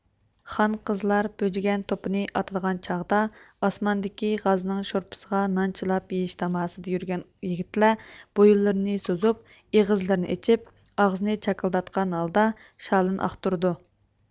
خان قىزلار بۆجىگەن توپىنى ئاتىدىغان چاغدا ئاسماندىكى غازنىڭ شورپسىغا نان چىلاپ يېيىش تاماسىدا يۈرگەن يىگىتلەر بويۇنلىرىنى سوزۇپ ئېغىزلىرىنى ئېچىپ ئاغزىنى چاكىلداتقان ھالدا شالىنى ئاقتۇرىدۇ